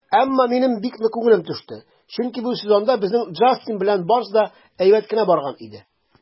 Әмма минем бик нык күңелем төште, чөнки бу сезонда безнең Джастин белән барысы да әйбәт кенә барган иде.